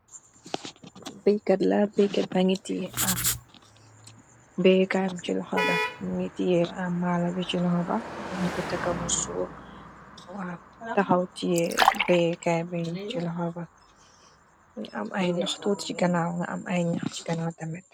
Bai kat la, bai kat bai yi kaym ci xoga ba, ngitiyeer am mala bi ci lxobax, mungi taka sour, wa taxaw t b kayb ci l xober. Am ayn tuut ci ganawna am ay ñax ci ganaw damet.